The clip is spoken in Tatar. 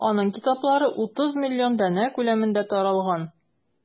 Аның китаплары 30 миллион данә күләмендә таралган.